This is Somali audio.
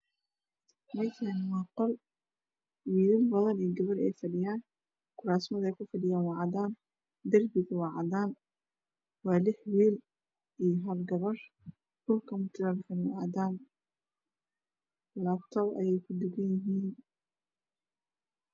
Meeshaani waa qol wiilal badan iyo gabar ay fadhiyaan kuraasmada ay ku fadhiyaan waa cadaan darbigu waa cadaan waa lix wiil iyo hal gabar dhulka mutuleelka waa cadaan laabtoob ayey ku daganyihiin